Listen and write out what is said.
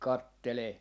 katselee